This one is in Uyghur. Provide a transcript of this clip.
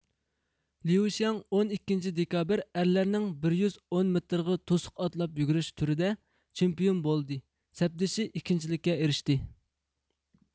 ليۇشياڭ ئون ئىككىنچى دېكابىر ئەرلەرنىڭ بىر يۈز ئون مېتىرغا توسۇق ئاتلاپ يۈگۈرۈش تۈرىدە چېمپىيون بولدى سەپدىشى ئىككىنچىلىككە ئېرىشتى